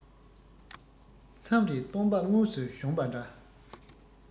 མཚམས རེར སྟོན པ དངོས སུ བྱོན པ འདྲ